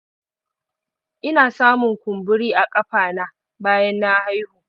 ina samun kumburi a kafa na bayan na haihu